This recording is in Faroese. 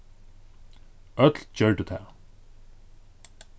øll gjørdu tað